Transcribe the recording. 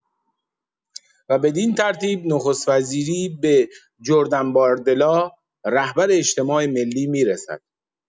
و بدین‌ترتیب نخست‌وزیری به جردن باردلا، رهبر اجتماع ملی می‌رسد.